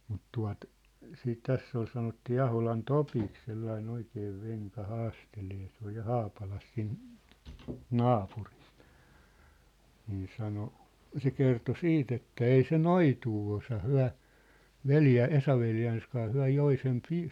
mutta tuota siitä tässä oli sanottiin Aholan Topiksi sellainen oikea venka haastelemaan se oli ja Haapalassa siinä naapurissa niin sanoi se kertoi sitten että ei se noitua osaa he - Esa-veljensä kanssa he joi sen -